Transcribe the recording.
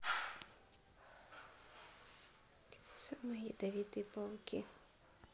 самые ядовитые пауки